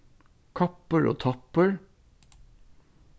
koppur og toppur